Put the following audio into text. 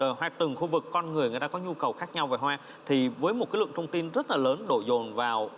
tờ khai từng khu vực con người người ta có nhu cầu khác nhau về hoa thì với một cái lượng thông tin rất là lớn đổ dồn vào